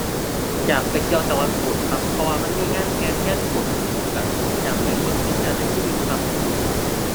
อยากไปเที่ยวจังหวัดอุบลครับ เพราะว่ามันมีงานแห่เทียนอุบลจั่งซี้ ผมก็อยากไปเบิ่งจักเที่ยในชีวิตครับ